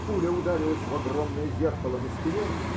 Пуля ударилась в огромное зеркало на стене.